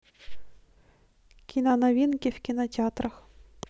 киноновинки в кинотеатрах